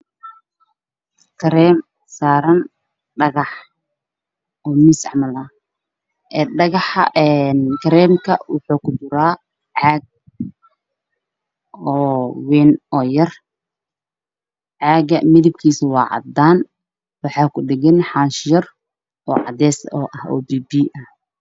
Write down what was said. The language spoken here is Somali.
Waa kareem saaran dhagax oo miis camal ah, kareemka waxuu kujiraa caag yar oo cadaan waxaa kudhagan xaanshi yar oo cadeys ah.